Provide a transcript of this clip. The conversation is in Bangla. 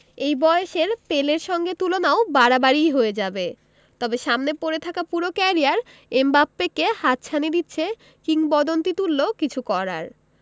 এই বয়সের পেলের সঙ্গে তুলনাও বাড়াবাড়িই হয়ে যাবে তবে সামনে পড়ে থাকা পুরো ক্যারিয়ার এমবাপ্পেকে হাতছানি দিচ্ছে কিংবদন্তিতুল্য কিছু করার